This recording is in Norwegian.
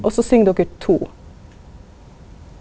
og så syng dokker to.